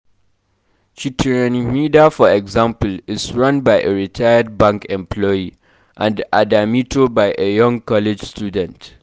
Citoyen Hmida, for example, is run by a retired bank employee; and Adamito by a young college student (high school student at the time he started it).